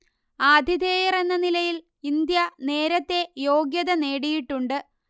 ആതിഥേയർ എന്ന നിലയിൽ ഇന്ത്യ നേരത്തെ യോഗ്യത നേടിയിട്ടുണ്ട്